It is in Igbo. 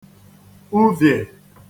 uvìe